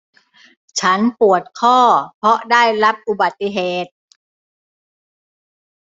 ฉันปวดข้อเพราะได้รับอุบัติเหตุ